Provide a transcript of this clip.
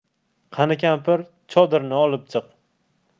qani kampir chodirni opchiq